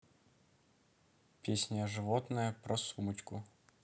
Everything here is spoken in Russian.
песня животное про сумочки